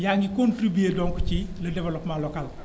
yaa ngi contribué donc ci le développement local